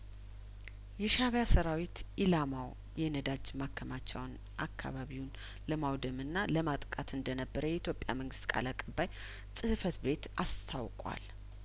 የሻእቢያ ሰራዊት ኢላማው የነጃድ ማከማቸውን አካባቢውን ለማውደምና ለማጥቃት እንደነበረ የኢትዮጵያ መንግስት ቃል አቀባይ ጽህፈት ቤት አስታውቋል